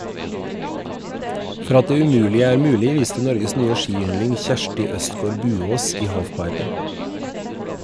For at det umulige er mulig viste Norges nye skiyndling Kjersti Østgaard Buaas i halfpipen.